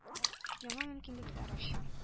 Яңа мөмкинлекләр ача.